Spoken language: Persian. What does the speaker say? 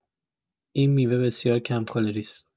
این میوه بسیار کم‌کالری است.